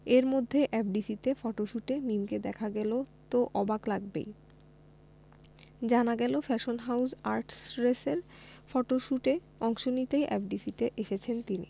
এরমধ্যে এফডিসিতে ফটোশুটে মিমকে দেখা গেল তো অবাক লাগবেই জানা গেল ফ্যাশন হাউজ আর্টরেসের ফটশুটে অংশ নিতেই এফডিসিতে এসেছেন তিনি